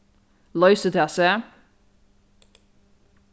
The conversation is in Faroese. loysir tað seg